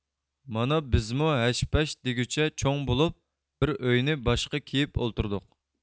مانا بىزمۇ ھەش پەش دېگۈچە چوڭ بولۇپ بىر ئۆينى باشقا كىيىپ ئولتۇردۇق